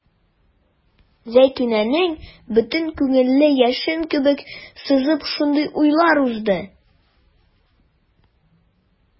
Зәйтүнәнең бөтен күңелен яшен кебек сызып шундый уйлар узды.